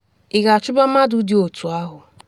“Ị ga-achụba mmadụ dị otu ahụ?